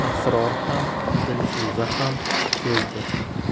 asror xam dilfuza xam sezdi